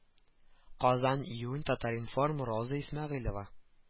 Казан июнь татар-информ роза исмәгыйлова